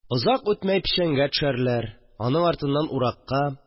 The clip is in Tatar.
Озак үтмәй печәнгә төшәрләр. Аның артыннан уракка,